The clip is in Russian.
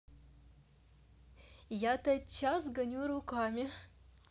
я тотчас гоню руками